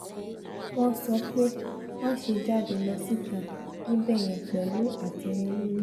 Wọ́n sọ pé, 'máṣe jáde lọ síta níbẹ̀yẹn pẹ̀lú ate yẹn lórí.'